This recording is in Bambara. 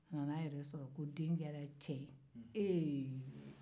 a nana a yɛrɛ sɔrɔ ko den kɛra cɛ ye